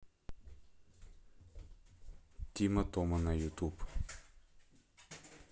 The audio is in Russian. тима тома на ютуб